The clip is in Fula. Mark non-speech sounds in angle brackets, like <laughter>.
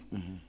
<hesitation> <hesitation>